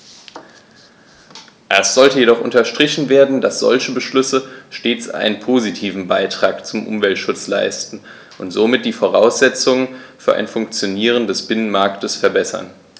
Es sollte jedoch unterstrichen werden, dass solche Beschlüsse stets einen positiven Beitrag zum Umweltschutz leisten und somit die Voraussetzungen für ein Funktionieren des Binnenmarktes verbessern.